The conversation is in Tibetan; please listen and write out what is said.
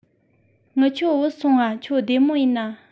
ངུ ཆོ བུད ཡོང ང ཁྱོད བདེ མོ ཡིན ན